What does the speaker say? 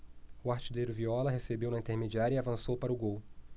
o artilheiro viola recebeu na intermediária e avançou para o gol